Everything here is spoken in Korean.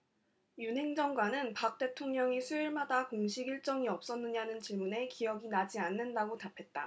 윤 행정관은 박 대통령이 수요일마다 공식일정이 없었느냐는 질문에 기억이 나지 않는다고 답했다